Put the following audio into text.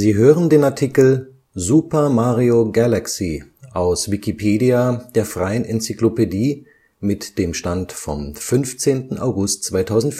hören den Artikel Super Mario Galaxy, aus Wikipedia, der freien Enzyklopädie. Mit dem Stand vom Der